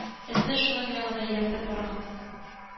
Яшенле яңгыр зыян салган булган.